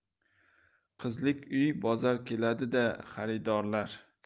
qizlik uy bozor keladi da xaridorlar